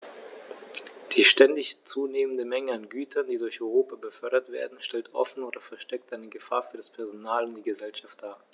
Die ständig zunehmende Menge an Gütern, die durch Europa befördert werden, stellt offen oder versteckt eine Gefahr für das Personal und die Gesellschaft dar.